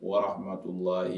Wahatulayi